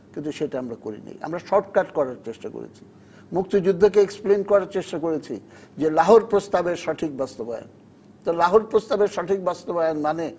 কিন্তু সেটা আমরা করিনি আমরা শর্টকাট করার চেষ্টা করেছি এক্সপ্লেন করার চেষ্টা করেছি যে লাহোর প্রস্তাবের সঠিক বাস্তবায়ন অত লাহোর প্রস্তাবের সঠিক বাস্তবায়ন মানে